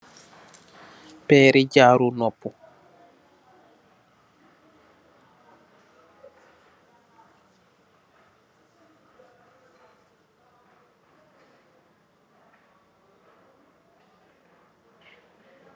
Pééri jaru nopuh .